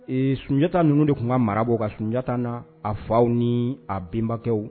Ee sunjatata ninnu de tun ka mara bɔ ka sunjata na a fɔw ni a bɛnbakɛw